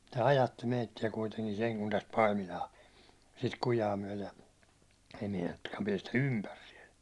että ajatti meitä kuitenkin sen kun tästä Paimilaan sitä kujaa myöten ja ei meinattukaan päästä ympäri siellä